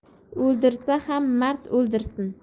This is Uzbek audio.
o'ldirsa ham mard o'ldirsin